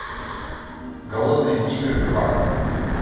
голодные игры два